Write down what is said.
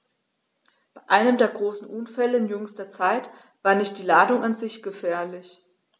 Bei einem der großen Unfälle in jüngster Zeit war nicht die Ladung an sich gefährlich.